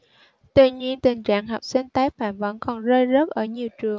tuy nhiên tình trạng học sinh tái phạm vẫn còn rơi rớt ở nhiều trường